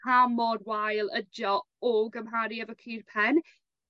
pa mor wael ydi o o gymharu efo cur pen.